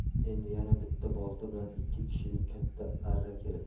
endi yana bitta bolta bilan ikki kishilik katta arra kerak